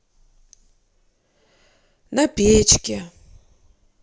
на печке